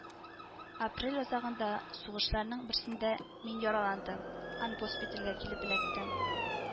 Апрель азагында сугышларның берсендә мин яраландым һәм госпитальгә килеп эләктем